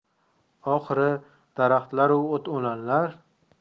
oxiri daraxtlaru o't o'lanlar